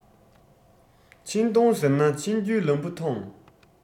ཕྱིན གཏོང ཟེར ན ཕྱིན རྒྱུའི ལམ བུ ཐོང